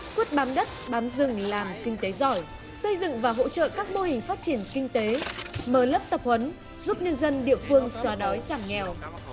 quyết bám đất bám rừng làm kinh tế giỏi xây dựng và hỗ trợ các mô hình phát triển kinh tế mở lớp tập huấn giúp nhân dân địa phương xóa đói giảm nghèo